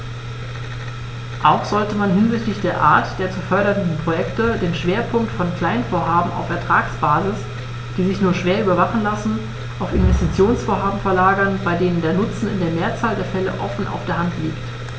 Auch sollte man hinsichtlich der Art der zu fördernden Projekte den Schwerpunkt von Kleinvorhaben auf Ertragsbasis, die sich nur schwer überwachen lassen, auf Investitionsvorhaben verlagern, bei denen der Nutzen in der Mehrzahl der Fälle offen auf der Hand liegt.